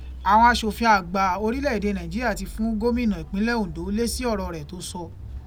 Àwọn aṣòfin àgbà orílẹ̀ èdè Nàìjíríà ti fún gómìnà ìpínlẹ̀ Oǹdó lèsì ọ̀rọ̀ rẹ tó sọ.